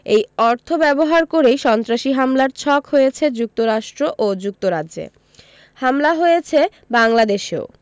এই অর্থ ব্যবহার করেই সন্ত্রাসী হামলার ছক হয়েছে যুক্তরাষ্ট্র ও যুক্তরাজ্যে হামলা হয়েছে বাংলাদেশেও